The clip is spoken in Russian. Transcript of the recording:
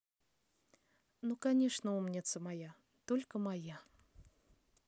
ну конечно умница моя только моя